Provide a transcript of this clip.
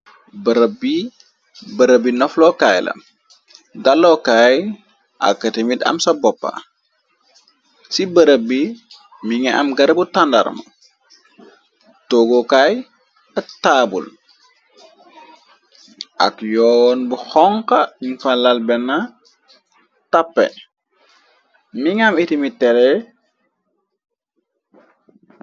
Barëb bii barab bi naflookaay la, dalokaay akkatimit am saboppa, ci bërëb bi mi ngi am garabu tàndarma, toogookaay ak taabul, ak yoon bu xonxa nyun fa lal benn tappe mi ngi am itimi télee.